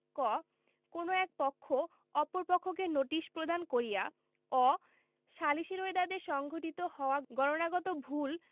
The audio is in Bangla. ক কোন এক পক্ষ অপর পক্ষকে নোটিশ প্রদান করিয়া অ সালিসী রোয়েদাদে সংঘটিত হওয়া গণনাগত ভুল